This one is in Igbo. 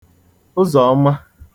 ụzọ̀ọma